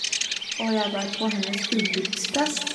Og jeg var på hennes bryllupsfest.